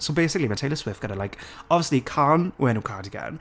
So basically, ma' Taylor Swift gyda like, obviously, cân o enw Cardigan,